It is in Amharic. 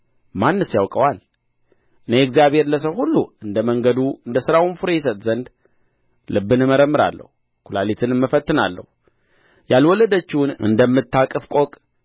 ማንስ ያውቀዋል እኔ እግዚአብሔር ለሰው ሁሉ እንደ መንገዱ እንደ ሥራው ፍሬ እሰጥ ዘንድ ልብን እመረምራለሁ ኵላሊትንም እፈትናለሁ ያልወለደችውን እንደምታቅፍ ቆቅ